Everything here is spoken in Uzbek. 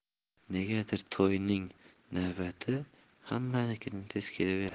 negadir toyning navbati hammanikidan tez kelaverardi